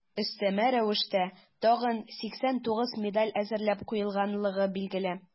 Өстәмә рәвештә тагын 82 медаль әзерләп куелганлыгы билгеле.